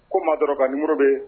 Ko maa dɔ le ka numéro bɛ